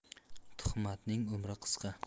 tuhmatning umri qisqa